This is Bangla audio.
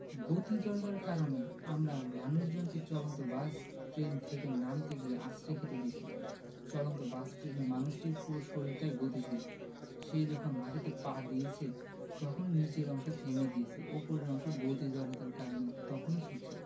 গতি জড়তার কারণে আমরা মানুষজনকে চলন্ত বাস ট্রেন থেকে নামতে গিয়ে আছাড় খেতে দেখি চলন্ত বাস ট্রেনের মানুষটির পুরো শরীরটাই গতিশীল সে যখন মাটিতে পা দিয়েছে তখন নিচের অংশ থেমে গিয়েছে ওপরের অংশ গতি জড়তার কারণে তখনো ছুটছে